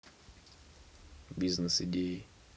бизнес идеи